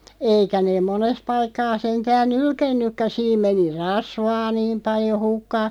eikä ne monessa paikkaa sentään nylkenytkään siinä meni rasvaa niin paljon hukkaan